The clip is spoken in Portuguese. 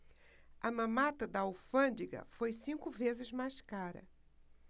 a mamata da alfândega foi cinco vezes mais cara